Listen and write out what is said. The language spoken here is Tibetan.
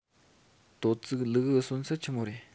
དོ ཚིག ལུ གུའི གསོན ཚད ཆི མོ རེད